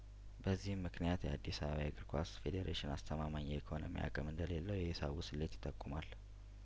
በዚህም ምክንያት የአዲስ አበባ እግር ኳስ ፌዴሬሽን አስተማማኝ የኢኮኖሚ አቅም እንደሌለው የሂሳቡ ስሌት ይጠቁ ማል